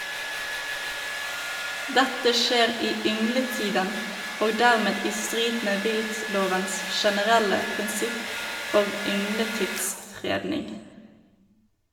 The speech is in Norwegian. Dette skjer i yngletiden og dermed i strid med viltlovens generelle prinsipp og yngletidsfredning.